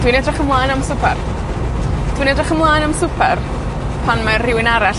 Dwi'n edrych ymlaen am swpar. Dwi'n edrych ymlaen am swper pan mae rywun arall